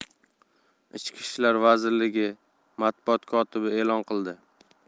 ichki ishlar vazirligi matbuot kotibi elon qildi